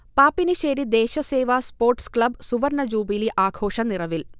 Pappinisseri Desa Seva sports club സുവർണജൂബിലി ആഘോഷനിറവിൽ